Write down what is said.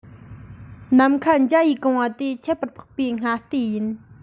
ནམ མཁའ འཇའ ཡིས གང བ དེ ཁྱད དུ འཕགས པའི སྔ ལྟས ཡིན